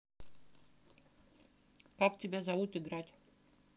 как тебя зовут играть